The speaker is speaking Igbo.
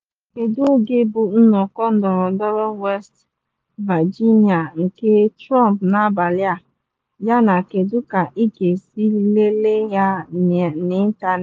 Kedu oge bụ nnọkọ ndọrọndọrọ West Virginia nke Trump n’abalị a, yana kedu ka ị ga-esi lelee ya n’ịntanetị.